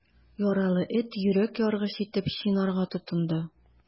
Яралы эт йөрәк яргыч итеп чинарга тотынды.